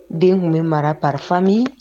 Den tun bɛ mara pami